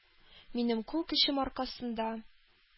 Минем кул көчем аркасында